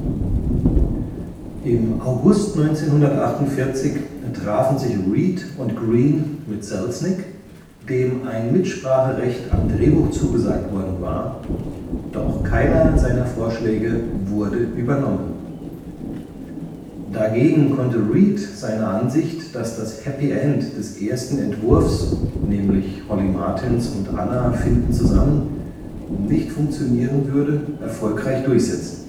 Im August 1948 trafen sich Reed und Greene mit Selznick, dem ein Mitspracherecht am Drehbuch zugesagt worden war, doch keiner seiner Vorschläge wurde übernommen. Dagegen konnte Reed seine Ansicht, dass das Happy End des ersten Entwurfs (Holly Martins und Anna finden zusammen) nicht funktionieren würde, erfolgreich durchsetzen